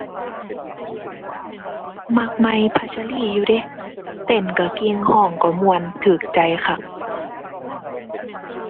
มักใหม่ พัชรี อยู่เดะ เต้นก็เก่ง ก็ก็ม่วน ก็ใจคัก